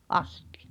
astia